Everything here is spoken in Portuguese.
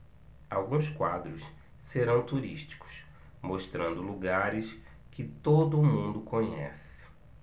alguns quadros serão turísticos mostrando lugares que todo mundo conhece